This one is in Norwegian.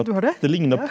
du har det ja?